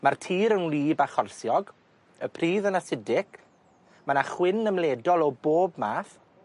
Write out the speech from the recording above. Ma'r tir yn wlyb a chorsiog. Y pridd yn asidic. Ma' 'na chwyn ymledol o bob math.